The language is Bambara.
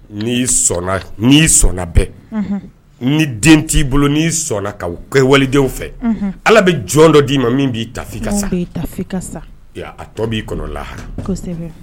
N sɔnnai sɔnna bɛɛ ni den t'i bolo n'i sɔnna ka kɛ walidenw fɛ ala bɛ jɔn dɔ d'i ma min b'i sa a tɔ b'i kɔnɔ laha